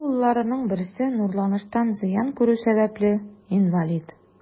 Ике улларының берсе нурланыштан зыян күрү сәбәпле, инвалид.